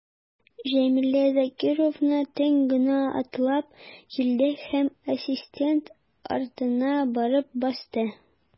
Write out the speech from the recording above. Җәмилә Закировна тын гына атлап килде һәм ассистент артына барып басты.